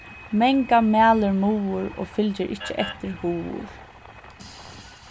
mangan mælir muður og fylgir ikki eftir hugur